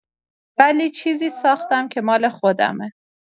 ولی چیزی ساختم که مال خودمه.